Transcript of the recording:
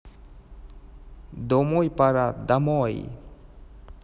домой пора домой